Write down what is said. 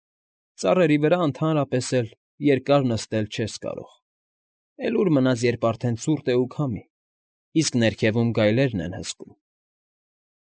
Ծառերի վրա ընդհանրապես էլ երկար նստել չես կարող, էլ ուր մնաց, երբ արդեն ցուրտ է ու քամի, իսկ ներքևում էլ գայլերն են հսկում։